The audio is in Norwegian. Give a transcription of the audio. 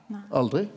aldri?